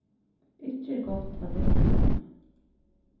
ikki er gott at detta í ánna